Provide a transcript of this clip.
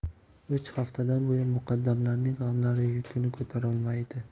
uch haftadan buyon muqaddamlarning g'amlari yukini ko'tarolmaydi